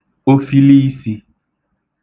ofiliisī